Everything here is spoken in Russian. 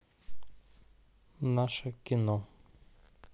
наше кино